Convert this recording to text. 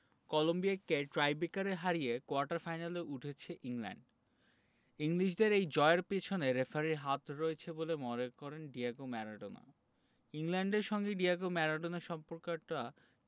কলম্বিয়াকে টাইব্রেকারে হারিয়ে কোয়ার্টার ফাইনালে উঠেছে ইংল্যান্ড ইংলিশদের এই জয়ের পেছনে রেফারির হাত রয়েছে বলে মনে করেন ডিয়েগো ম্যারাডোনা ইংল্যান্ডের সঙ্গে ডিয়েগো ম্যারাডোনার সম্পর্কটা